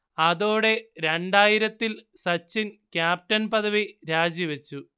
അതോടെ രണ്ടായിരത്തിൽ സച്ചിൻ ക്യാപ്റ്റൻ പദവി രാജിവച്ചു